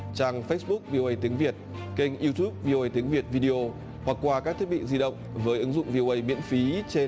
trang phếch búc vi ô ây tiếng việt kênh iu tút vi ô ây tiếng việt vi đi ô hoặc qua các thiết bị di động với ứng dụng vi ô ây miễn phí trên